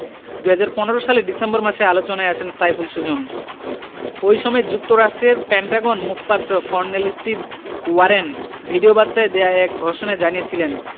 ২০১৫ সালের ডিসেম্বর মাসে আলোচনায় আসেন সাইফুল সুজন ওই সময় যুক্তরাষ্টের পেন্টাগন মুখপাত্র কর্নেল স্টিভ ওয়ারেন ভিডিওবার্তায় দেওয়া এক ঘোষণায় জানিয়েছিলেন